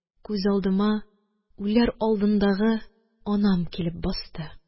Күз алдыма үләр алдындагы анам килеп басты